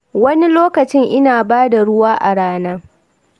wani lokacin ina ba da ruwa a rana.